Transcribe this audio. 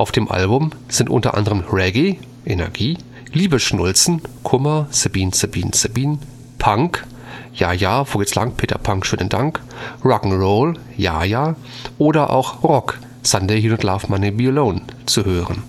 dem Album sind u.a. Reggae (Energie), Liebesschnulzen (Kummer, Sabine Sabine Sabine), Punk (JaJa wo gehts lank Peter Pank schönen Dank), Rock’ n’ Roll (Ya Ya) oder auch Rock (Sunday You Need Love Monday Be Alone) zu hören